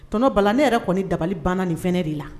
Tba ne yɛrɛ kɔni dabali banna nin fana de la